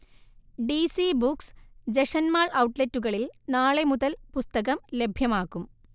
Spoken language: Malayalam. ഡിസി ബുക്സ്, ജഷന്മാൾ ഔട്ട്ലെറ്റുകളിൽ നാളെ മുതൽ പുസ്തകം ലഭ്യമാകും